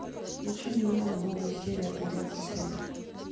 включи милана новая серия привет сосед